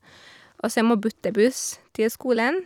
Og så jeg må bytte buss til skolen.